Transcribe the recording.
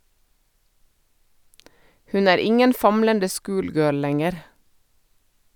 Hun er ingen famlende schoolgirl lenger.